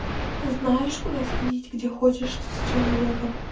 знаешь куда сходить где хочешь с человеком